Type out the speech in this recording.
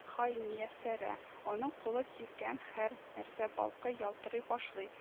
Һай Мияссәрә! Аның кулы тигән һәр нәрсә балкый, ялтырый башлый